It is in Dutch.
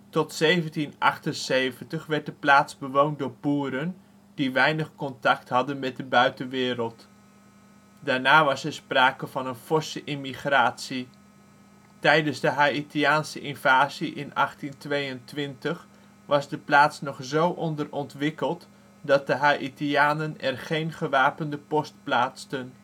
Tot 1778 werd de plaats bewoond door boeren die weinig contact hadden met de buitenwereld. Daarna was er sprake van een forse immigratie. Tijdens de Haïtiaanse invasie in 1822 was de plaats nog zo onderontwikkeld, dat de Haïtianen er geen gewapende post plaatsten